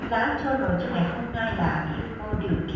lá tarot cho ngày hôm nay là yêu vô điều kiện